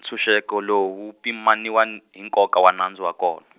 ntshunxeko lowu pimaniwan- hi nkoka wa nandzu wa kon- .